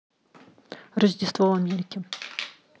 рождество в америке